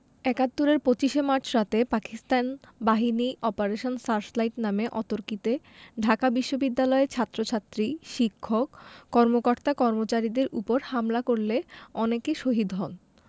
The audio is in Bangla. ৭১ এর ২৫ মার্চ রাতে পাকিস্তান বাহিনী অপারেশন সার্চলাইট নামে অতর্কিতে ঢাকা বিশ্ববিদ্যালয়ের ছাত্রছাত্রী শিক্ষক কর্মকর্তা কর্মচারীদের উপর হামলা করলে অনেকে শহীদ হন